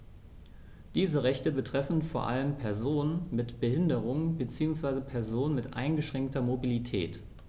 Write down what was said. Diese Rechte betreffen vor allem Personen mit Behinderung beziehungsweise Personen mit eingeschränkter Mobilität.